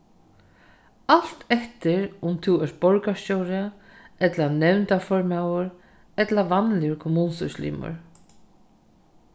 alt eftir um tú ert borgarstjóri ella nevndarformaður ella vanligur kommunustýrislimur